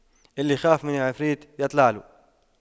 اللي يخاف من العفريت يطلع له